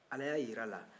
ala y'a yira a la